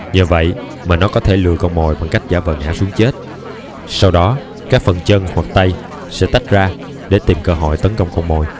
nhờ vậy mà nó có thể lừa con mồi bằng cách giả vờ ngã xuống chết sau đó các phần chân hoặc tay sẽ tách ra để tìm cơ hội tấn công con mồi